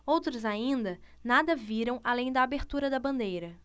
outros ainda nada viram além da abertura da bandeira